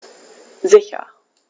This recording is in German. Sicher.